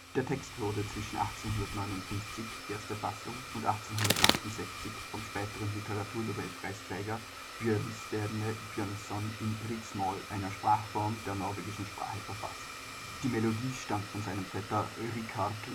Text wurde zwischen 1859 (erste Fassung) und 1868 vom späteren Literatur-Nobelpreisträger Bjørnstjerne Bjørnson in Riksmål, einer Sprachform der norwegischen Sprache verfasst. Die Melodie stammt von seinem Vetter Rikard